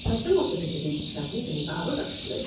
Ma' eitha lot o pethau 'di trefnu 'da ni'n barod acshyli.